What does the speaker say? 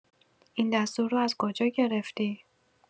این دستور رو از کجا گرفتی؟